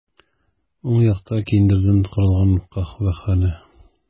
Уң якта киндердән корылган каһвәханә.